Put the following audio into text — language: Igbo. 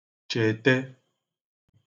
chète